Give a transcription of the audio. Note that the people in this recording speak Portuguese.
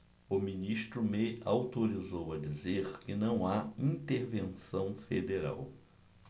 o ministro me autorizou a dizer que não há intervenção federal